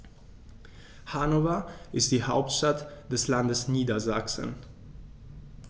Hannover ist die Hauptstadt des Landes Niedersachsen.